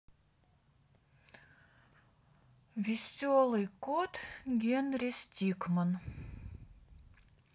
веселый кот генри стикман